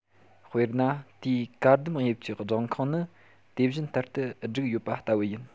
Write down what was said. དཔེར ན དེའི ཀ ཟླུམ དབྱིབས ཀྱི སྦྲང ཁང ནི དེ བཞིན བསྟར དུ བསྒྲིགས ཡོད པ ལྟ བུ ཡིན